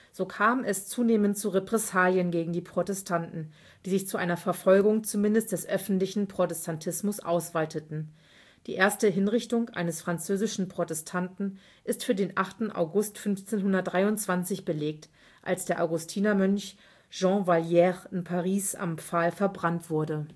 So kam es zunehmend zu Repressalien gegen die Protestanten, die sich zu einer Verfolgung zumindest des öffentlichen Protestantismus ausweiteten: Die erste Hinrichtung eines französischen Protestanten ist für den 8. August 1523 belegt, als der Augustinermönch Jean Vallière in Paris am Pfahl verbrannt wurde